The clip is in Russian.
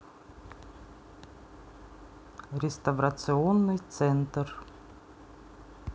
реставрационный центр